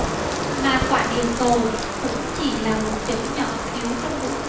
mà quả địa cầu cũng chỉ là một chấm nhỏ xíu trong vũ trụ